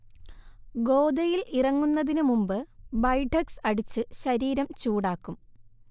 ഗോദയിൽ ഇറങ്ങുന്നതിന് മുമ്പ് ബൈഠക്സ് അടിച്ച് ശരീരം ചൂടാക്കും